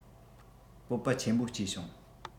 སྤོབས པ ཆེན པོ སྐྱེས བྱུང